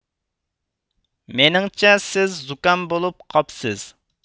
مېنىىڭچە سىز زۇكام بولۇپ قاپسىز